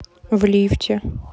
в лифте